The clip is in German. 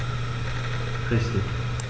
Richtig